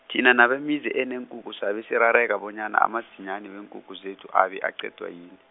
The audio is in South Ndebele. thina nabemizi eneenkukhu sabe sirareka bonyana amadzinyani weenkukhu zethu abe aqedwa yini.